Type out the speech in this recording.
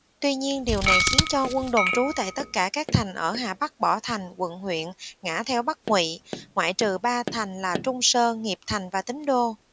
tuy nhiên điều này khiến cho quân đồn trú tại tất cả các thành ở hà bắc bỏ thành quận huyện ngả theo bắc ngụy ngoại trừ ba thành là trung sơn nghiệp thành và tín đô